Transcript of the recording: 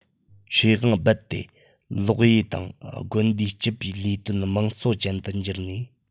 ཆོས དབང རྦད དེ ལོགས དབྱེ དང དགོན སྡེའི སྤྱི པའི ལས དོན དམངས གཙོ ཅན དུ འགྱུར ནས